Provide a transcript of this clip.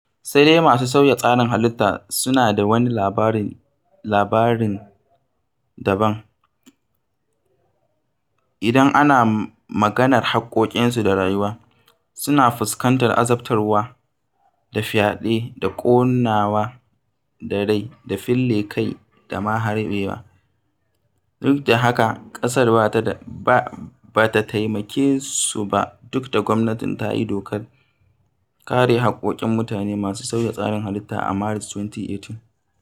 Sai dai masu sauya tsarin halitta suna da wani labarin daban idan ana maganar haƙƙoƙinsu da rayuwa; suna fuskantar azabtarwa da fyaɗe da ƙonawa da rai da fille kai da ma harbewa, duk da haka ƙasar ba ta taimake su ba duk da gwamnati ta yi Dokar (Kare Haƙƙoƙin) Mutane masu Sauya Tsarin Halitta a Maris, 2018.